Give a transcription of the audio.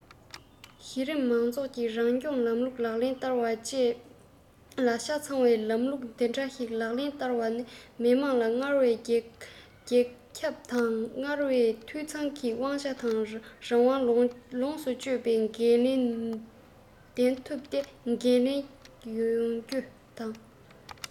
གཞི རིམ མང ཚོགས ཀྱི རང སྐྱོང ལམ ལུགས ལག ལེན བསྟར བ བཅས ལ ཆ ཚང བའི ལམ ལུགས དེ འདྲ ཞིག ལག ལེན བསྟར ན མི དམངས ལ སྔར བས རྒྱ ཁྱབ དང སྔར བས འཐུས ཚང གི དབང ཆ དང རང དབང ལོངས སུ སྤྱོད པའི འགན ལེན ནུས ལྡན ཐུབ སྟེ འགན ལེན ཡོང རྒྱུ དང